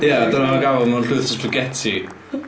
Ia, dyna fo'n gafael mewn llwyth o spaghetti.